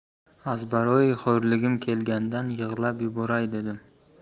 azbaroyi xo'rligim kelganidan yig'lab yuboray derdim